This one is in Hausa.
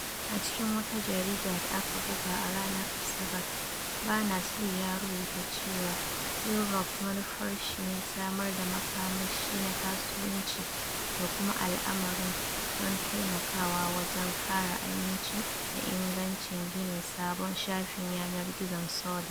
A cikin wata jarida da aka buga a ranar Asabar, Berners-Lee ya rubuta cewa "Inrupt" manufar shi ne samar da makamashi na kasuwanci da kuma al'amarin don taimakawa wajen kare amincin da ingancin ginin sabon shafin yanar gizon Solid. "